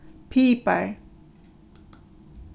pipar